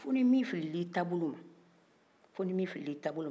fo ni min filila i taa bolo man